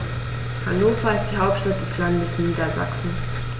Hannover ist die Hauptstadt des Landes Niedersachsen.